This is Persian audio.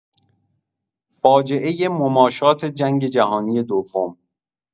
فاجعه مماشات جنگ جهانی دوم